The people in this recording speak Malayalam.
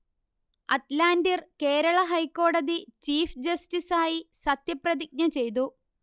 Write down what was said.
അറ്റ്ലാന്റിർ കേരള ഹൈക്കോടതി ചീഫ് ജസ്റ്റിസായി സത്യപ്രതിജ്ഞ ചെയ്തു